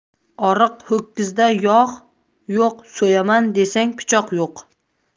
oriq ho'kizda yog' yo'q so'yaman desang pichoq yo'q